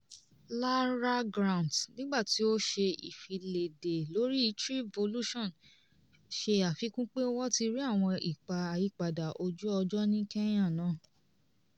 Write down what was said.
Laura Grant, nígbà tí ó ń ṣe ìfiléde lórí Treevolution, ṣe àfikún pé wọ́n ti rí àwọn ipa àyípadà ojú-ọjọ́ ní Kenya náà.